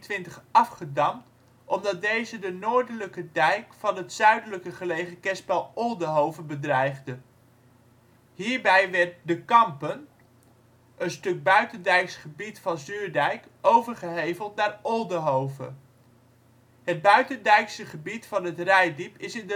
in 1623 afgedamd omdat deze de noordelijke dijk van het zuidelijker gelegen kerspel Oldehove bedreigde. Hierbij werd De Kampen, een stuk buitendijks gebied van Zuurdijk overgeheveld naar Oldehove. Het buitendijkse gebied van het Reitdiep is in